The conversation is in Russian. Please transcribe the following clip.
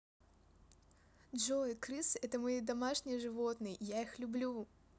джой крысы это мои домашние животные я их люблю